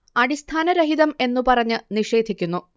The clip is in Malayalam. അടിസ്ഥാനരഹിതം എന്നു പറഞ്ഞ് നിഷേധിക്കുന്നു